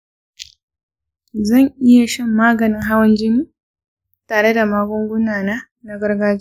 zan iya shan maganin hawan jini tare da magunguna na gargajiya?